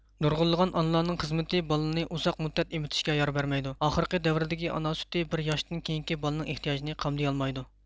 نۇرغۇنلىغان ئانىلارنىڭ خىزمىتى بالىنى ئۇزاق مۇددەت ئېمتىشكە يار بەرمەيدۇ ئاخىرقى دەۋردىكى ئانا سۈتى بىر ياشتىن كېيىنكى بالىنىڭ ئېھتىياجىنى قامدىيالمايدۇ